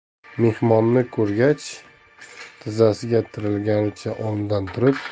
mehmonni ko'rgach tizzasiga tiralganicha o'rnidan